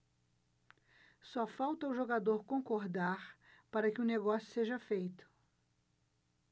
só falta o jogador concordar para que o negócio seja feito